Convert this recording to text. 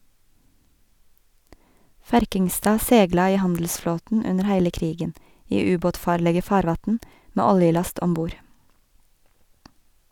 Ferkingstad segla i handelsflåten under heile krigen, i ubåtfarlege farvatn, med oljelast om bord.